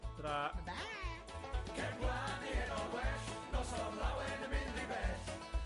Tara! Bye! Cefn gwlad neu heno'n well, noson lawen yn mynd rhy bell.